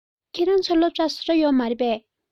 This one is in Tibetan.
ཁྱོད རང ཚོའི སློབ གྲྭར བཟོ གྲྭ ཡོད རེད པས